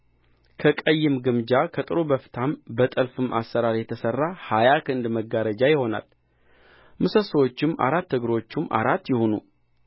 ከቀይም ግምጃ ከጥሩ በፍታም በጥልፍ አሠራር የተሠራ ሀያ ክንድ መጋረጃ ይሆናል ምሰሶቹም አራት እግሮቹም አራት ይሁኑ